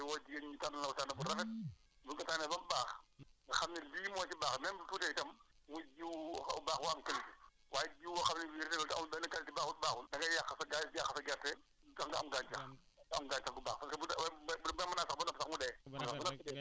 voilà maanaam gerte gi bu ñu ko indee buñ fekkee dañ ko jël ci Seko bii dañ ko war a tànn ngay woo jigéen ñi ñu tànnal la ko tànn bu rafet bu ñu ko tànnee ba mu baax nga xam ne lii moo ci baax même bu tuutee i tam muy jiw bu baax bu am qualité waaye jiw boo xam ne nii rëyul te amul benn qualité baaxut baaxul da ngay yàq sa ga yàq sa gerte du tax nga am gàncax